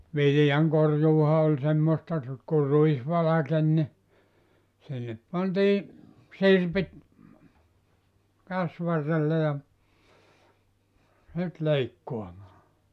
viljankorjuuhan oli semmoista - kun ruis valkeni niin sinne pantiin sirpit käsivarrelle ja sitten leikkaamaan